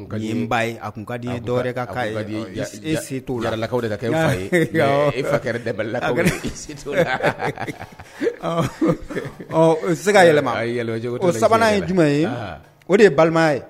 A tun ka di dɔwɛrɛ' tolakaw de fa e fa tɛ se ka yɛlɛma sabanan ye jumɛn ye o de ye balima ye